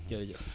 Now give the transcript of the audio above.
jërëjëf